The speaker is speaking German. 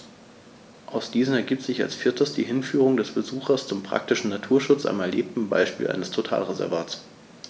Aus diesen ergibt sich als viertes die Hinführung des Besuchers zum praktischen Naturschutz am erlebten Beispiel eines Totalreservats.